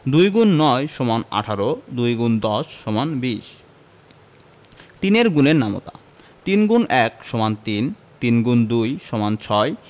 ২গুণ ৯ সমান ১৮ ২ গুণ১০ সমান ২০ ৩ এর গুণের নামতা ৩গুণ ১ সমান ৩ ৩গুণ ২ সমান ৬